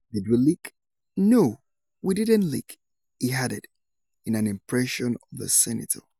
Did we leak...No, we didn't leak," he added, in an impression of the senator.